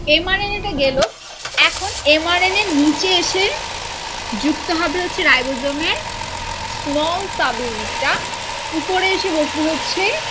M R N A টা গেল এখন এম আর এন এর নিচে এসে যুক্ত হবে হচ্ছে রাইবোজোমের স্মল সাব ইউনিট টা উপরে এসে বসবে হচ্ছে